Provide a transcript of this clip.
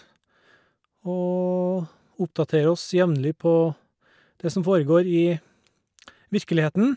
Og oppdatere oss jevnlig på det som foregår i virkeligheten.